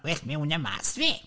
Well mewn na mas ife!